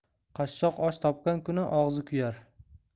qashshoq osh topgan kuni og'zi kuyar